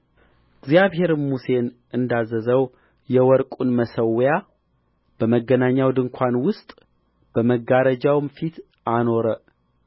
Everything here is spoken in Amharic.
እግዚአብሔርም ሙሴን እንዳዘዘው የወርቁን መሠዊያ በመገናኛው ድንኳን ውስጥ በመጋረጃው ፊት አኖረ